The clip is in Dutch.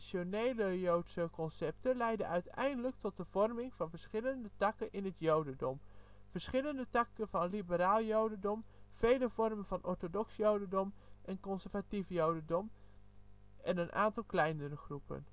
joodse concepten leidde uiteindelijk tot de vorming van verschillende takken in het jodendom: verschillende takken van liberaal jodendom, vele vormen van orthodox jodendom en conservatief jodendom en een aantal kleinere groepen